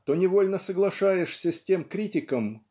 то невольно соглашаешься с тем критиком